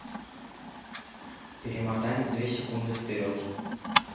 перемотай на две секунды вперед